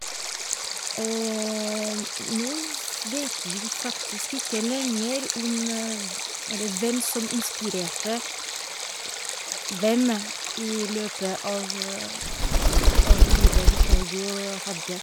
Og nå vet vi faktisk ikke lenger om v eller hvem som inspirerte hvem i løpet av av livet Victor Hugo hadde.